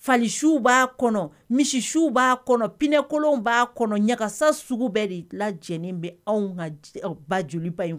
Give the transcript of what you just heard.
Falisiw b'a kɔnɔ misisiw b'a kɔnɔ pɛkolon b'a kɔnɔ ɲagaka sugu bɛ de la lajɛlen bɛ anw ka ba joliba in kɔnɔ